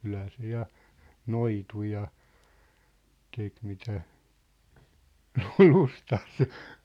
kyllähän se ja noitui ja teki mitä - lystäsi